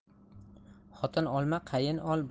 xotin olma qayin ol